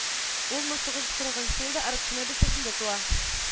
Ул мең тугыз кырыгынчы елда Аракчино бистәсендә туа